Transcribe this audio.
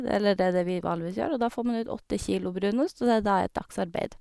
Eller det er det vi vanligvis gjør, og da får man ut åtte kilo brunost, og det er da et dagsarbeid.